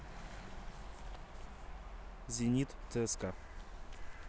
зенит цска